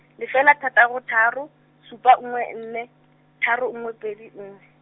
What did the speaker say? lefela thataro tharo, supa nngwe nne, tharo nngwe pedi nne.